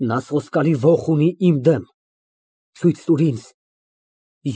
Նա սոսկալի ոխ ունի իմ դեմ։ Ցույց տուր ինձ։